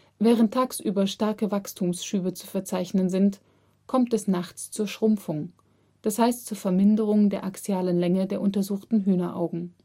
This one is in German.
Während tagsüber starke Wachstumsschübe zu verzeichnen sind, kommt es nachts zur Schrumpfung, d. h. zur Verminderung der axialen Länge der untersuchten Hühneraugen